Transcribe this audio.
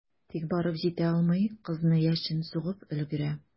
Тик барып җитә алмый, кызны яшен сугып өлгерә.